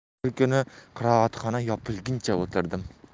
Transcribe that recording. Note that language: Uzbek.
bir kuni qiroatxona yopilguncha o'tirdim